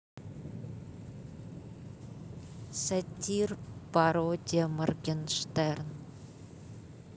сатир пародия моргенштерн